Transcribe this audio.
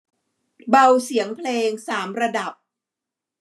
เบาเสียงเพลงสามระดับ